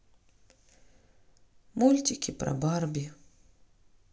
мультики про барби